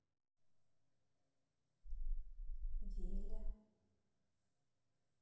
веля